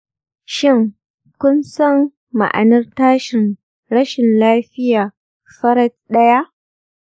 shin kun san ma'anar tashin rashin lafiya farat ɗaya?